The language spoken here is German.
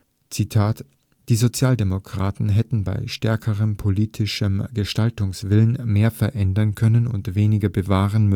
Die Sozialdemokraten hätten bei stärkerem politischem Gestaltungswillen mehr verändern können und weniger bewahren